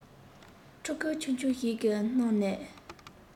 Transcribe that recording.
ཕྲུ གུ ཆུང ཆུང ཞིག གི སྣ ནས